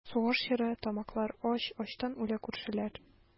Сугыш чоры, тамаклар ач, Ачтан үлә күршеләр.